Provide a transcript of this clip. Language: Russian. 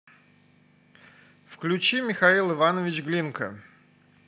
включи михаил иванович глинка